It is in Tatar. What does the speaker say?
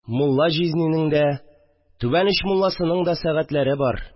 Мулла җизнинең дә, түбән оч мулласының да сәгатьләре бар